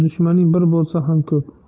dushman bir bo'lsa ham ko'p